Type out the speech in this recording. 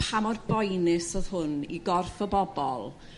pa mor boenus o'dd hwn i gorff o bobl